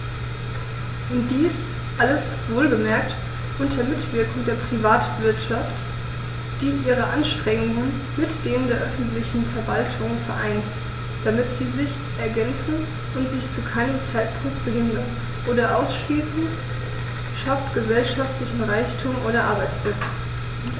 Und dies alles - wohlgemerkt unter Mitwirkung der Privatwirtschaft, die ihre Anstrengungen mit denen der öffentlichen Verwaltungen vereint, damit sie sich ergänzen und sich zu keinem Zeitpunkt behindern oder ausschließen schafft gesellschaftlichen Reichtum und Arbeitsplätze.